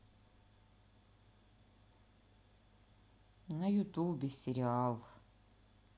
на ютубе сериал